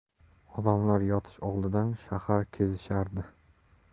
odamlar yotish oldidan shahar kezishardi